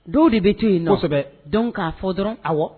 Dɔw de bɛ to yen nɔ, kosɛbɛ donc k'a fɔ dɔrɔn, awɔ.